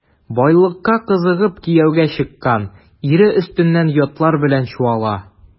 Байлыкка кызыгып кияүгә чыккан, ире өстеннән ятлар белән чуала.